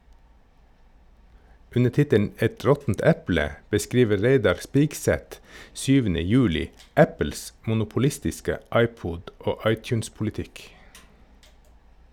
Under tittelen "Et råttent eple" beskriver Reidar Spigseth 7. juli Apples monopolistiske iPod- og iTunes-politikk.